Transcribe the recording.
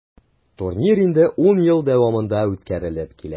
Турнир инде 10 ел дәвамында үткәрелеп килә.